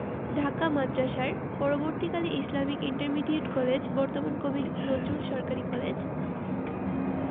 ঢাকা মাদ্রাসার পরবর্তীকালে Islamic intermediate college বর্তমান কবি নজরুল সরকারি কলেজ